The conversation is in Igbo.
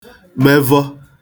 mevọ